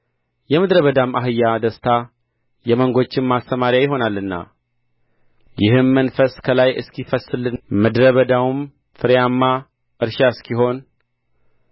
የምድረ በዳም አህያ ደስታ የመንጎችም ማሰማርያ ይሆናልና ይህም መንፈስ ከላይ እስኪፈስስልን ምድረ በዳውም ፍሬያማ እርሻ እስኪሆን